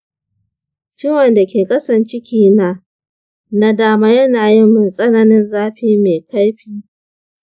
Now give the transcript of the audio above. ciwon da ke ƙasan cikina na dama yana yi min tsananin zafi mai kaifi.